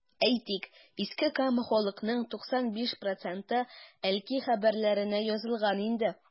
Әйтик, Иске Камка халкының 95 проценты “Әлки хәбәрләре”нә язылган инде.